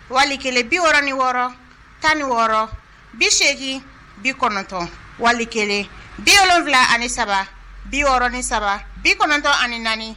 Wali kelen biɔrɔn ni wɔɔrɔ tan ni wɔɔrɔ bi8egin bi kɔnɔntɔn wali kelen biɔrɔnwula ani saba biɔrɔn ni saba bi kɔnɔntɔn ani naani